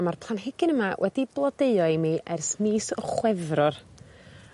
a ma'r planhigyn yma wedi blodeuo i mi ers mis Chwefror.